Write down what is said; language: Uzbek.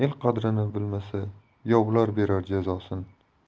el qadrini bilmasa yovlar berar jazosin